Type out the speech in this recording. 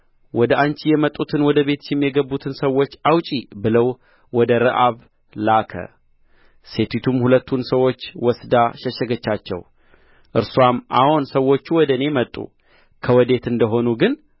ወደ አንቺ የመጡትን ወደ ቤትሽም የገቡትን ሰዎች አውጪ ብሎ ወደ ረዓብ ላከ ሴቲቱም ሁለቱን ሰዎች ወስዳ ሸሸገቻቸው እርስዋም አዎን ሰዎቹ ወደ እኔ መጡ ከወዴት እንደ ሆኑ ግን